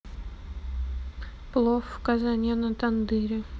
плов в казане на тандыре